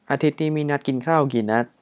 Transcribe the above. อาทิตย์นี้มีนัดกินข้าวกี่นัด